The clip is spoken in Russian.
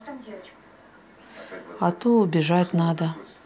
а то убежать надо